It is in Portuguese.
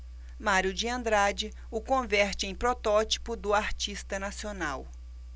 mário de andrade o converte em protótipo do artista nacional